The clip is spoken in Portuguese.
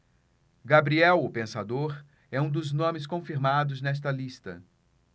gabriel o pensador é um dos nomes confirmados nesta lista